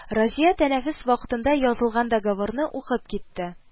Разия тәнәфес вакытында язылган договорны укып китте: